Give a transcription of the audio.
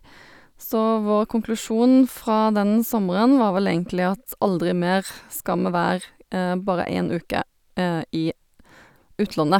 Så vår konklusjon fra den sommeren var vel egentlig at aldri mer skal vi være bare én uke i utlandet.